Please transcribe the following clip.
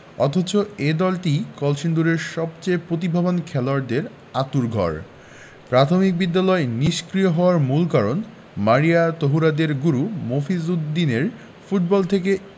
অথচ এই দলটিই কলসিন্দুরের সবচেয়ে প্রতিভাবান খেলোয়াড়দের আঁতুড়ঘর প্রাথমিক বিদ্যালয় নিষ্ক্রিয় হওয়ার মূল কারণ মারিয়া তহুরাদের গুরু মফিজ উদ্দিনের ফুটবল থেকে